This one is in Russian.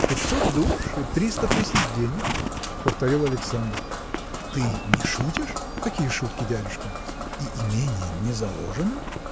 – Пятьсот душ и триста тысяч денег. – повторил Александр. – Ты. не шутишь? – Какие шутки, дядюшка? – И имение. не заложено?